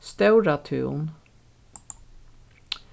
stóratún